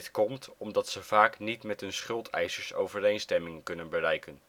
komt, omdat ze vaak niet met hun schuldeisers overeenstemming kunnen bereiken